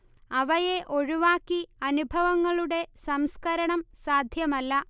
അവയെ ഒഴിവാക്കി അനുഭവങ്ങളുടെ സംസ്കരണം സാധ്യമല്ല